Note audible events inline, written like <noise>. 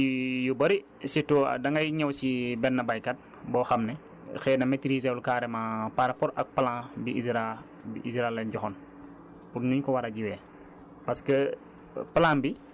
te liggéey boobu nag def naa ci <hesitation> yu bëri surtout dangay ñëw si <hesitation> benn baykat boo xam ne xëy na maitriser wul carrément par rapport ak plan bi ISRA bi ISRA leen joxoon pour niñ ko war a jiwee